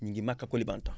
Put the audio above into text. ñu ngi Maka kulibantang